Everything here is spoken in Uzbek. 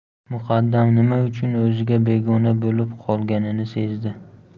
muqaddam nima uchun o'ziga begona bo'lib qolganini sezdi